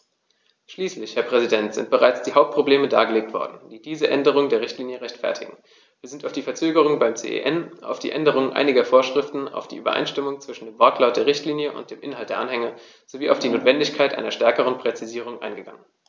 Schließlich, Herr Präsident, sind bereits die Hauptprobleme dargelegt worden, die diese Änderung der Richtlinie rechtfertigen, wir sind auf die Verzögerung beim CEN, auf die Änderung einiger Vorschriften, auf die Übereinstimmung zwischen dem Wortlaut der Richtlinie und dem Inhalt der Anhänge sowie auf die Notwendigkeit einer stärkeren Präzisierung eingegangen.